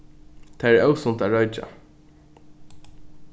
tað er ósunt at roykja